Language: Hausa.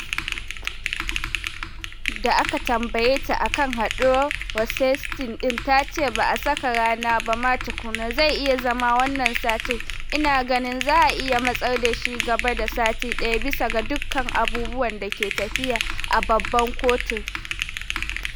Da aka tambaye ta akan haduwar Rosenstein din, ta ce: “Ba’a saka rana ba ma tukunna, zai iya zama wannan satin, ina ganin za’a iya matsar da shi gaba da sati daya bisa ga dukkan abubuwan da ke tafiya a babban kotun.